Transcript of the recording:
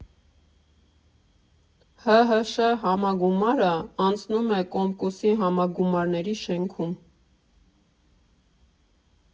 ՀՀՇ համագումարը անցնում է Կոմկուսի համագումարների շենքում։